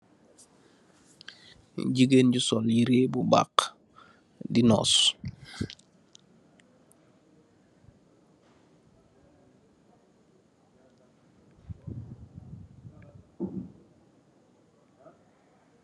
Gigeen bu sol yirèh bu baax di nos.